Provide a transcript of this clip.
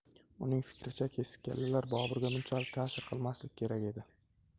uning fikricha kesik kallalar boburga bunchalik tasir qilmasligi kerak edi